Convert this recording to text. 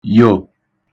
yò